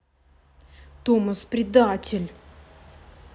thomas предатель